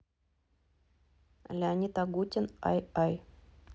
леонид агутин ай ай